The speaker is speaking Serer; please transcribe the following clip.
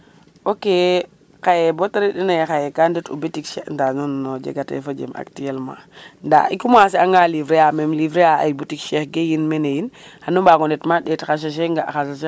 ok xaye bote re ina ye xay gan ndet u boutique Cheikh nda nuun non jega te fojem actuellement nda i commencer anga livrer a mem livrer a ay boutique Cheikh Gueye in mene yin xanu mbago ndet ma ndet xa sachet nga xa sachet